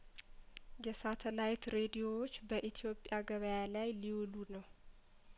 የሳተላይት ሬድዮዎች በኢትዮጵያ ገበያላይሊ ውሉ ነው